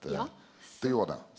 ja sant.